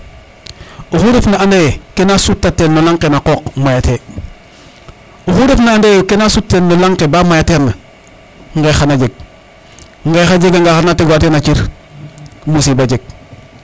axu refna anda ye kena sutatel no laŋ ke na qoq mayate axu ref na anda ye kena sutel no laŋ ke ba mayater na ŋeex xana jeg ŋexa jega nga xana teg wa ten a cir musiba jeg